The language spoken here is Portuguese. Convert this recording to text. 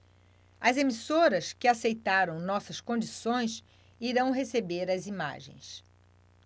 as emissoras que aceitaram nossas condições irão receber as imagens